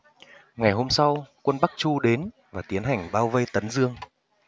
ngày hôm sau quân bắc chu đến và tiến hành bao vây tấn dương